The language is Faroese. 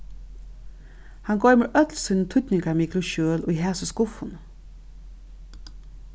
hann goymir øll síni týdningarmiklu skjøl í hasi skuffuni